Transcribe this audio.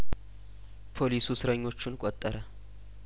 ፖሊሱ እስረኞቹን ቆጠረ